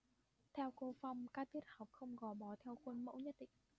theo cô phong các tiết học không gò bó theo khuôn mẫu nhất định